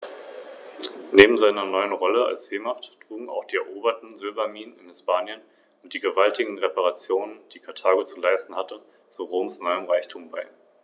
Die Flügelspannweite variiert zwischen 190 und 210 cm beim Männchen und zwischen 200 und 230 cm beim Weibchen.